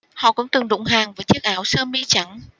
họ cũng từng đụng hàng với chiếc áo sơ mi trắng